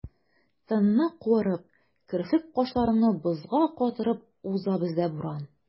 Тынны куырып, керфек-кашларыңны бозга катырып уза бездә буран.